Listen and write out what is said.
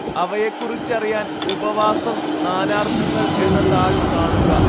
അവയെക്കുറിച്ചറിയാന്‍ ഉപവാസം നാനാര്‍ത്ഥങ്ങള്‍ എന്ന താള്‍ കാണുക